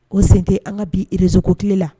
O sente an ka bi rezgo tile la